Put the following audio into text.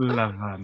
Love 'em.